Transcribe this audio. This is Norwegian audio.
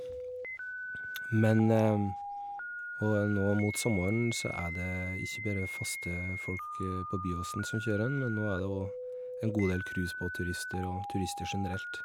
men Og nå mot sommeren så er det ikke bare faste folk på Byåsen som kjører den, men nå er det òg en god del cruisebåtturister og turister generelt.